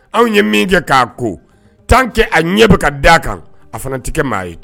Anw ye min kɛ k'a ko' kɛ a ɲɛ bɛ ka d' a kan a fana tɛ kɛ maa ye